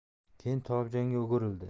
keyin tolibjonga o'girildi